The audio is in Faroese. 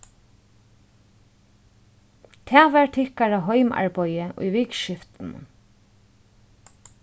tað var tykkara heimaarbeiði í vikuskiftinum